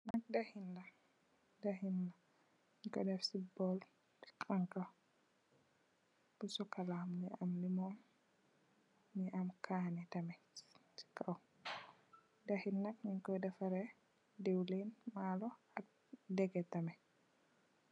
Li nak ndaxiñ la , nak ñing ko dèf ci bool xanxa bu sokola mugii am lemon mugii am kanni tamit ci kaw. Ndaxiñ nak ñing Koy defarr reh diwlin , maalo ak degeh tamit.